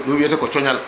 ɗum wiyete ko cooñal